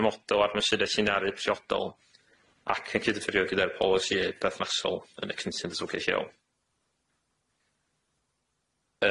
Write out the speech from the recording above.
ymodol ar mesurau lliniaru priodol ac yn cydyffurfio gyda'r polisïau berthnasol yn y cynta'n tocyllu iawn.